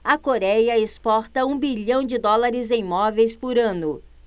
a coréia exporta um bilhão de dólares em móveis por ano